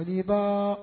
Jigi